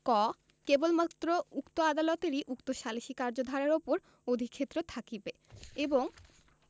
ক কেবলমাত্র উক্ত আদালাতেরই উক্ত সালিসী কার্যধারার উপর অধিক্ষেত্র থাকিবে এবং